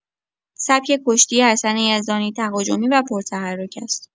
سبک کشتی حسن یزدانی تهاجمی و پرتحرک است.